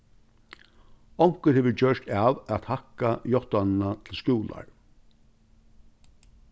onkur hevur gjørt av at hækka játtanina til skúlar